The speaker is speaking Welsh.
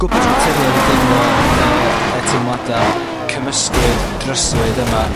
gwbwl naturiol i deimlo yy y teimlada cymysglyd dryslyd yma